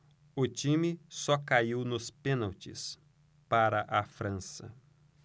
o time só caiu nos pênaltis para a frança